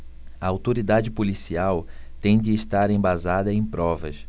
a autoridade policial tem de estar embasada em provas